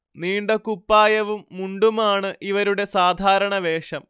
നീണ്ട കുപ്പായവും മുണ്ടുമാണ് ഇവരുടെ സാധാരണ വേഷം